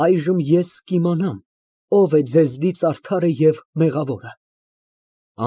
Այժմ ես կիմանամ ով է ձեզնից արդարը և մեղավորը։